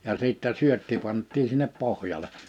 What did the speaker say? ja sitten syötti pantiin sinne pohjalle